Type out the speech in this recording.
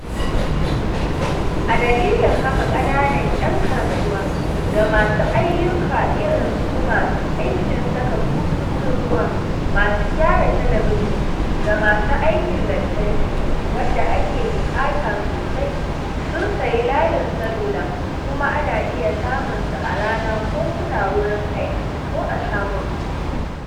A dalilin haka ƙananan 'yan kasuwa da masu ayyuka irin su masu aikin saka bututun ruwa, masu gyara talabijin, da masu aikin lantarki (waɗanda ake buƙata sosai) sun sayi layin salula, kuma ana iya samun su a rana, ko suna wurin aiki ko a shagonsu.